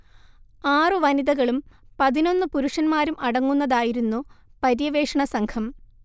ആറു വനിതകളും പതിനൊന്നു പുരുഷന്മാരും അടങ്ങുന്നതായിരുന്നു പര്യവേഷണ സംഘം